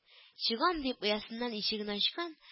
Чыгам дип, оясының ишеген ачкан